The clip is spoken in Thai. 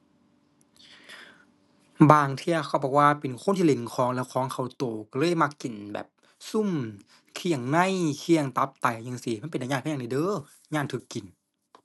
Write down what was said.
บางเที่ยเขาบอกว่าเป็นคนที่เล่นของแล้วของเข้าตัว ตัวเลยมักกินแบบซุมเครื่องใน เครื่องตับไตจั่งซี้ มันเป็นตาย้านคือหยังนี้เด้อ ย้านตัวกิน